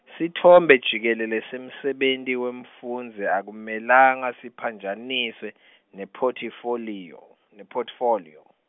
sitfombe jikelele semsebenti wemfundzi akumelanga, siphanjaniswe , nephothifoliyo, nephothifoliyo.